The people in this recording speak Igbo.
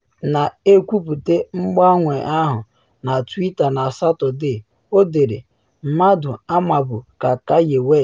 Na ekwupute mgbanwe ahụ na Twitter na Satọde, ọ dere: “Mmadụ amabu ka Kanye West.”